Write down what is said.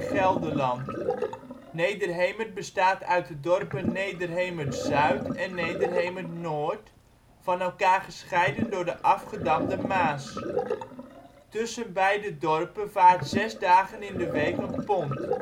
Gelderland. Nederhemert bestaat uit de dorpen Nederhemert-Zuid en Nederhemert-Noord, van elkaar gescheiden door de Afgedamde Maas. Tussen beide dorpen vaart zes dagen in de week een pont